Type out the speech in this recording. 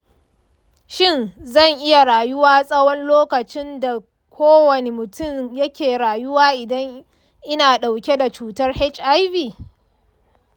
shin zan iya rayuwa tsawon lokacin da kowani mutum yake rayuwa idan ina ɗauke da cutar hiv?